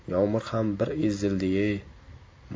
yomg'ir ham bir ezildi yey